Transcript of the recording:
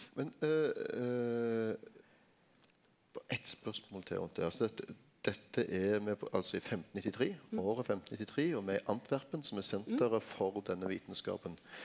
men berre eitt spørsmål til rundt det, altså dette dette er me på altså i 1593 året 1593 og me er i Antwerpen som er senteret for denne vitskapen.